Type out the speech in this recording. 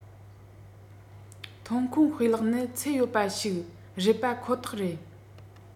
ཐོན ཁུངས སྤུས ལེགས ནི ཚད ཡོད པ ཞིག རེད པ ཁོ ཐག རེད